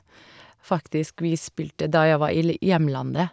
Faktisk vi spilte da jeg var i l hjemlandet.